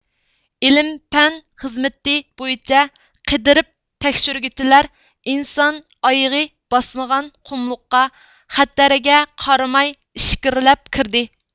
ئىلىم پەن خىزمىتى بويىچە قېدىرىپ تەكشۈرگۈچىلەر ئىنسان ئايىغى باسمىغان قۇملۇققا خەتەرگە قارىماي ئىچكىرىلەپ كىردى